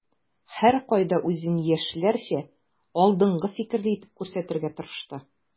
Һәркайда үзен яшьләрчә, алдынгы фикерле итеп күрсәтергә тырышты.